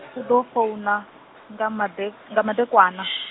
u ḓo founa, nga made- nga madekwana .